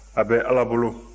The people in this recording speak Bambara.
a bɛ ala bolo